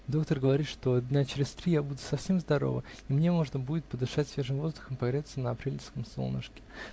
Доктор говорит, что дня через три я буду совсем здорова и мне можно будет подышать свежим воздухом и погреться на апрельском солнышке.